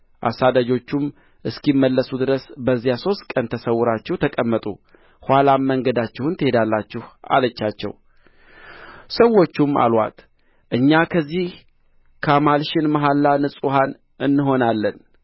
አሳዳጆቹም እስኪመለሱ ድረስ በዚያ ሦስት ቀን ተሰውራችሁ ተቀመጡ ኋላም መንገዳችሁን ትሄዳላችሁ አለቻቸው ሰዎቹም አሉአት እኛ ከዚህ ካማልሽን መሐላ ንጹሐን እንሆናለን